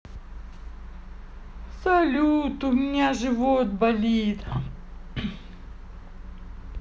салют у меня живот болит